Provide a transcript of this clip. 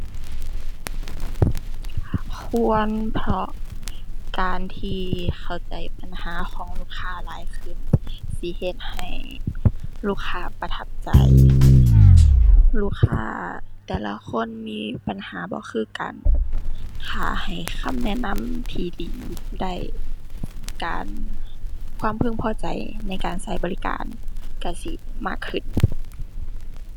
ควร เพราะการที่เข้าใจปัญหาของลูกค้าหลายขึ้นสิเฮ็ดให้ลูกค้าประทับใจ ลูกค้าแต่ละคนมีปัญหาบ่คือกัน ถ้าให้คำแนะนำที่ดีได้ การ ความพึงพอใจในการใช้บริการใช้สิมากขึ้น